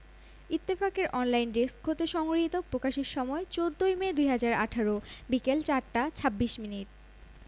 এতদিন ধারাবাহিক নাটকে খুব একটা দেখা যায়নি তাকে তবে সম্প্রতি কয়েকটি ধারাবাহিক নাটকে নিয়মিতই অভিনয় করছেন তিনি তার মধ্যে একটি হচ্ছে অরন্য আনোয়ার রচিত ও পরিচালিত